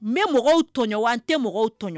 N bɛ mɔgɔw tɔɲɔgɔn an tɛ mɔgɔw tɔ